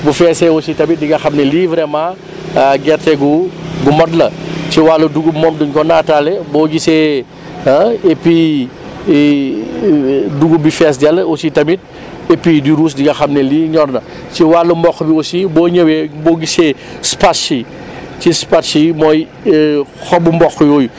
bu feesee aussi di nga xam ne lii vraiment ah gerte gu gu mag la ci wàllu dugub moom du ñu ko naataale boo gisee ah et puis dugub bi fees dell aussi tamit et puis di ruus di nga xam ne lii ñor na si wàll mboq bi aussi boo ñëwee boo gisee spath yi ci spath yi mooy xobu mboq yooyu